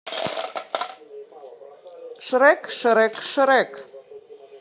шрек шрек шрек